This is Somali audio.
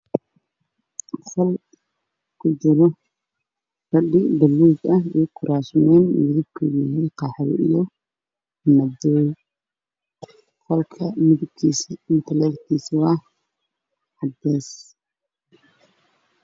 Waa qol kujiro fadhi buluug ah iyo kuraas